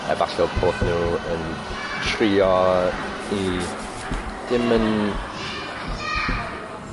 Efalle bod nw yn trio i, ddim yn